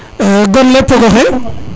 gon le pogoxe